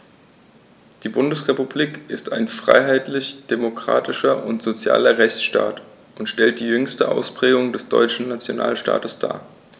Die Bundesrepublik ist ein freiheitlich-demokratischer und sozialer Rechtsstaat und stellt die jüngste Ausprägung des deutschen Nationalstaates dar.